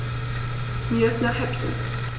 Mir ist nach Häppchen.